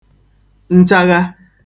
nchagha